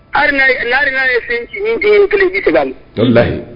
Harina ye fɛn sabali